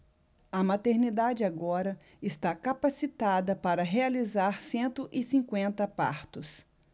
a maternidade agora está capacitada para realizar cento e cinquenta partos